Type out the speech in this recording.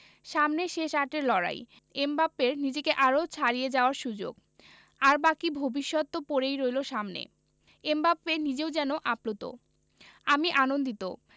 সামনে শেষ আটের লড়াই এমবাপ্পের নিজেকে আরও ছাড়িয়ে যাওয়ার সুযোগ আর বাকি ভবিষ্যৎ তো পড়েই রইল সামনে এমবাপ্পে নিজেও যেন আপ্লুত আমি আনন্দিত